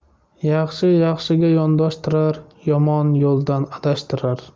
yaxshi yaxshiga yondashtirar yomon yo'ldan adashtirar